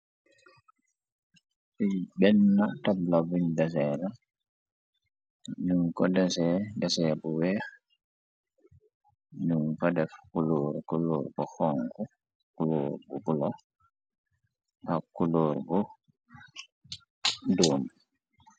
benna tablabuñ desee bu weex nu fah deff bu weex num fadef kuloor kulóor bu xongu kulóor bu bulo ak kulóor bu doom.